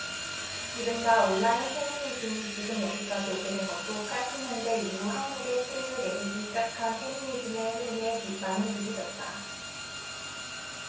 이른바 온라인 페미니즘이 지금 여기까지 오게 된 것도 팔십 년대 이후 한국에 뿌리를 내리기 시작한 페미니즘의 흐름에 많은 빚을 졌다